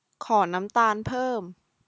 ขอน้ำตาลเพิ่ม